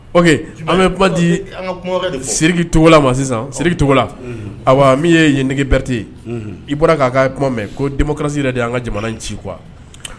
OK , An bɛ kuma di, an ka kuma wɛrɛ de fɔ, Sidiki Togola ma sisan, ɔnhɔn, Sidiki Togola, unhun, awɔ min ye Yenege Bɛrite ye, unhun, i bɔra k'a ka kuma mɛn ko démocratie yɛrɛ de y'an ka jamana ci quoi